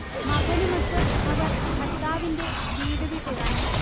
മകനുമൊത്ത് അവർ ഭർത്താവിന്റെ വീട് വിട്ടിറങ്ങി